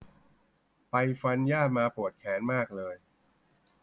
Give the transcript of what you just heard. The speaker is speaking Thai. ไปฟันหญ้ามาปวดแขนมากเลย